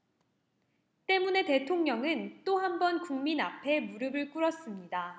때문에 대통령은 또 한 번 국민 앞에 무릎을 꿇었습니다